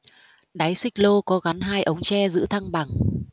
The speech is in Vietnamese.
đáy xích lô có gắn hai ống tre giữ thăng bằng